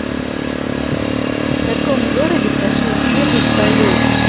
в каком городе прошел первый салют